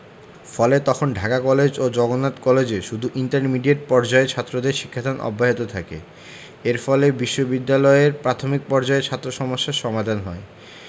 ফলে তখন ঢাকা কলেজ ও জগন্নাথ কলেজে শুধু ইন্টারমিডিয়েট পর্যায়ের ছাত্রদের শিক্ষাদান অব্যাহত থাকে এর ফলে বিশ্ববিদ্যালয়ে প্রাথমিক পর্যায়ে ছাত্র সমস্যার সমাধান হয়